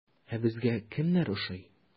Ә безгә кемнәр ошый?